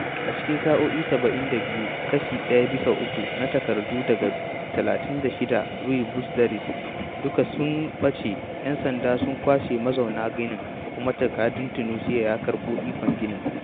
A cikin sa’o’i 72, kashi ɗaya bisa uku na takardu daga 36 rue Botzaris duka sun ɓace, ‘yan sanda sun kwashe mazaunan ginin, kuma jakadan (Tunisia) ya karɓo ikon ginin.